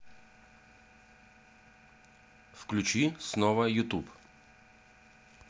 включи снова ютуб